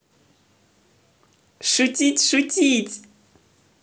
шутить шутить